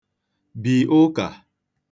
bì ụkà